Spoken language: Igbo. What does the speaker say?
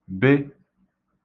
be